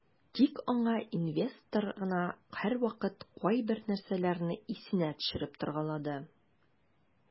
Тик аңа инвестор гына һәрвакыт кайбер нәрсәләрне исенә төшереп торгалады.